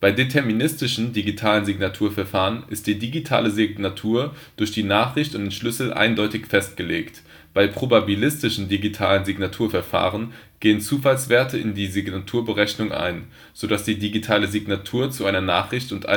deterministischen digitalen Signaturverfahren ist die digitale Signatur durch die Nachricht und den Schlüssel eindeutig festgelegt, bei probabilistischen digitalen Signaturverfahren gehen Zufallswerte in die Signaturberechnung ein, so dass die digitale Signatur zu einer Nachricht und